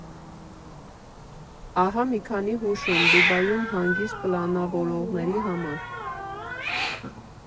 Ահա մի քանի հուշում՝ Դուբայում հանգիստ պլանավորողների համար։